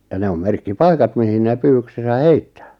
ja ne on merkkipaikat mihin ne pyydyksensä heittää